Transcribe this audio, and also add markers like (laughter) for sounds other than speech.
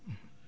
(hesitation) (hesitation)